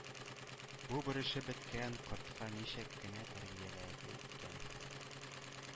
Бу бөрешеп беткән кортка ничек кенә тәрбияләде икән